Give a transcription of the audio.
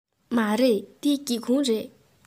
མ རེད འདི སྒེའུ ཁུང རེད